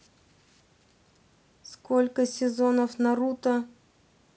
сколько сезонов наруто